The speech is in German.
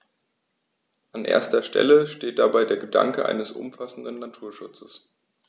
An erster Stelle steht dabei der Gedanke eines umfassenden Naturschutzes.